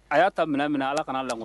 A y'a ta minɛ minɛ ala kana lag